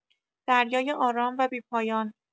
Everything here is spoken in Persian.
دریای آرام و بی‌پایان